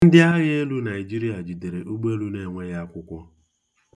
Ndịagha elu Naijiria jidere ụgbọelu enweghị akwụkwọ